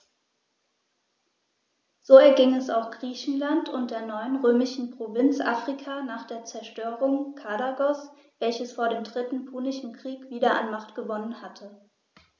So erging es auch Griechenland und der neuen römischen Provinz Afrika nach der Zerstörung Karthagos, welches vor dem Dritten Punischen Krieg wieder an Macht gewonnen hatte.